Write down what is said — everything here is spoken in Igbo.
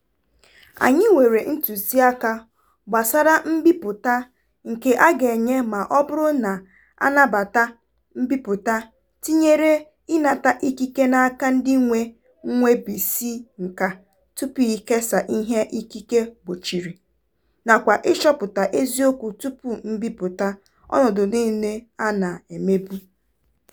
Anyị nwere ntụziaka gbasara mbipụta nke a ga-enye ma ọ bụrụ na a nabata mbipụta, tinyere ịnata ikike n'aka ndị nwe nnwebisiinka tupu ikesa ihe ikike gbochiri, nakwa ịchọpụta eziokwu tupu mbipụta - ọnọdụ niile a na-emebu.